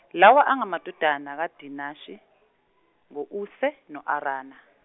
lawa angamadodana kaDinashe, ngo Use, no Arana.